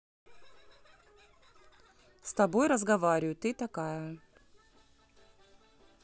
с тобой разговариваю ты такая